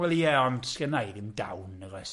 Wel ie, ond sgynna i ddim dawn, nagoes?